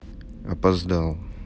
опоздал